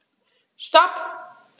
Stop.